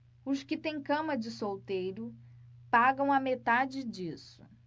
os que têm cama de solteiro pagam a metade disso